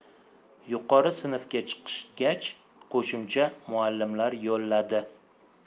yuqori sinfga chiqishgach qo'shimcha muallimlar yolladi